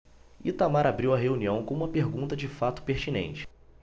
itamar abriu a reunião com uma pergunta de fato pertinente